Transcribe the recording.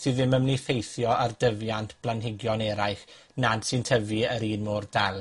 sy ddim yn myn' i effeithio ar dyfiant blanhigion eraill, nad sy'n tyfu yn un mor dal.